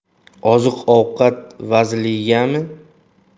oziq ovqat vazirligigami